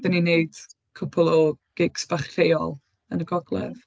Dan ni'n wneud cwpl o gigs bach lleol yn y gogledd.